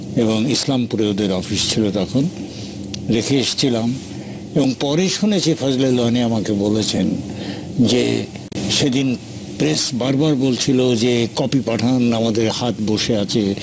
ইসলামপুরে ওদের অফিস ছিল তখন রেখে এসেছিলাম এবং পরে শুনেছি ফজলে লোহানী আমাকে বলেছেন যে সেদিন প্রেস বারবার বলছিল যে কপি পাঠান আমাদের হাত বসে আছে